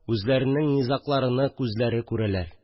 Үзләренең низагъларыны үзләре күрәләр